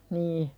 niin